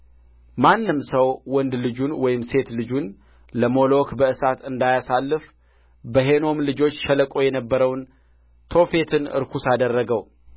ማንም ሰው ወንድ ልጁን ወይም ሴት ልጁን ለሞሎክ በእሳት እንዳያሳልፍ በሄኖም ልጆች ሸለቆ የነበረውን ቶፌትን ርኩስ አደረገው